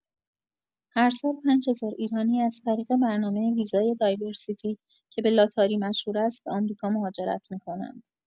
هرسال ۵۰۰۰ ایرانی از طریق برنامه ویزای دایورسیتی که به لاتاری مشهور است به آمریکا مهاجرت می‌کنند.